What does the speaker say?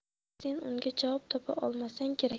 sen unga javob topa olmasang kerak